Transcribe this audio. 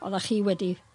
oddach chi wedi